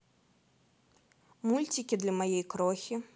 мультики для моей крохи